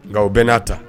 Nka u bɛɛ n'a ta